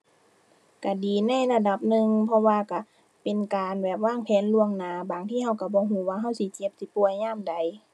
ก็ดีในระดับหนึ่ง เพราะว่าก็เป็นการแบบวางแผนล่วงหน้า บางทีก็ก็บ่ก็ว่าก็สิเจ็บสิป่วยยามใด